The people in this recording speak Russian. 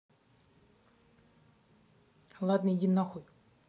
ладно иди нахуй